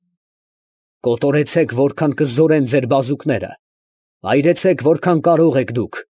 Կոտորեցե՛ք, որքան կզորեն ձեր բազուկները, այրեցե՛ք, որքան կարող եք դուք։